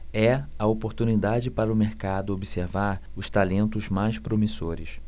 é a oportunidade para o mercado observar os talentos mais promissores